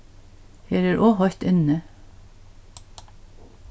her er ov heitt inni